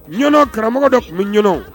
Ɲ karamɔgɔ de tun bɛɲw